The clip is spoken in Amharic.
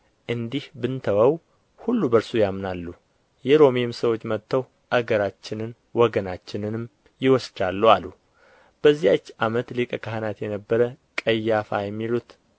እንዲሁ ብንተወው ሁሉ በእርሱ ያምናሉ የሮሜም ሰዎች መጥተው አገራችንን ወገናችንንም ይወስዳሉ አሉ በዚያችም ዓመት ሊቀ ካህናት የነበረ ቀያፋ የሚሉት ከእነርሱ አንዱ